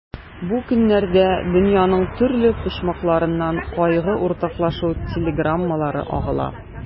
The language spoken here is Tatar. Бу көннәрдә дөньяның төрле почмакларыннан кайгы уртаклашу телеграммалары агыла.